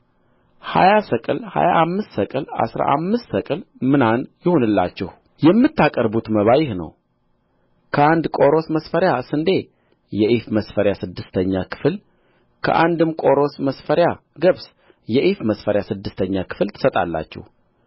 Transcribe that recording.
ሀያ ሰቅል ሀያ አምስት ሰቅል አሥራ አምስት ሰቅል ምናን ይሁንላችሁ የምታቀርቡት መባ ይህ ነው ከአንድ ቆሮስ መስፈሪያ ስንዴ የኢፍ መስፈሪያ ስድስተኛ ክፍል ከአንድም ቆሮስ መስፈሪያ ገብስ የኢፍ መስፈሪያ ስድስተኛ ክፍል ትሰጣላችሁ